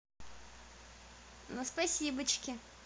ну спасибочки